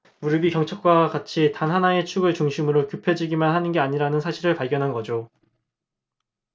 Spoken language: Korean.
무릎이 경첩과 같이 단 하나의 축을 중심으로 굽혀지기만 하는 게 아니라는 사실을 발견한 거죠